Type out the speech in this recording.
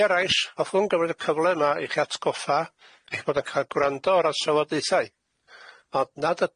I eraill, hoffwn gymryd y cyfle yma i'ch atgoffa eich bod yn cael gwrando ar y trafodaethau, ond nad yd-